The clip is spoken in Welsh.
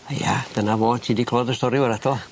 Ie dyna fo ti di clwad y stori 'w'rach do?